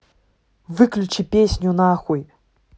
выключи песню нахуй